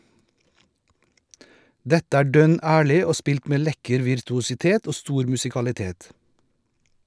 Dette er dønn ærlig og spilt med lekker virtuositet og stor musikalitet.